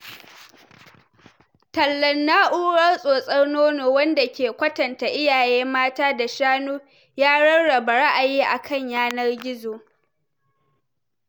Tallar Nau’rar tatsar nono wanda ke kwatanta iyaye mata da shanu ya rarraba ra'ayi a kan yanar gizo